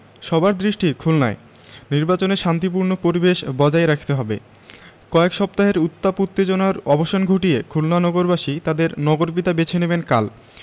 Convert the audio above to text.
সবার দৃষ্টি খুলনায় নির্বাচনে শান্তিপূর্ণ পরিবেশ বজায় রাখতে হবে কয়েক সপ্তাহের উত্তাপ উত্তেজনার অবসান ঘটিয়ে খুলনা নগরবাসী তাঁদের নগরপিতা বেছে নেবেন কাল